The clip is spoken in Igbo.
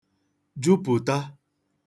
jupụ̀tà